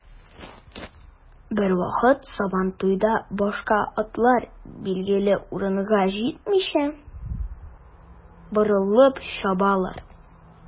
Бервакыт сабантуйда башка атлар билгеле урынга җитмичә, борылып чабалар.